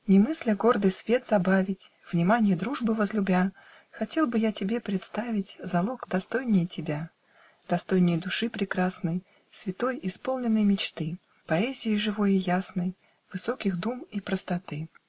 Не мысля гордый свет забавить, Вниманье дружбы возлюбя, Хотел бы я тебе представить Залог достойнее тебя, Достойнее души прекрасной, Святой исполненной мечты, Поэзии живой и ясной, Высоких дум и простоты